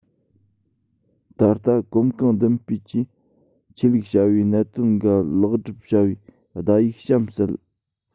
ད ལྟ གོམ གང མདུན སྤོས ཀྱིས ཆོས ལུགས བྱ བའི གནད དོན འགའ ལེགས བསྒྲུབ བྱ བའི བརྡ ཡིག གཤམ གསལ